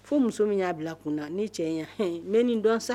Fo muso min y'a bila kun ni cɛ mɛ nin dɔn